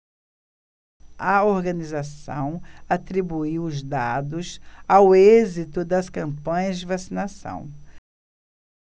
a organização atribuiu os dados ao êxito das campanhas de vacinação